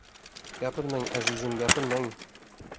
gapirmang azizim gapirmang